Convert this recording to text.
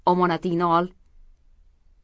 mana omonatingni ol